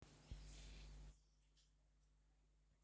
хорошо отлично